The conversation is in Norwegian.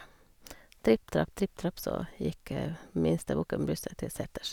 Tripp trapp, tripp trapp, så gikk minste bukken Bruse til seters.